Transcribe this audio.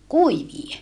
kuivia